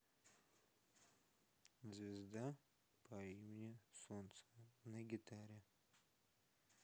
звезда по имени солнце на гитаре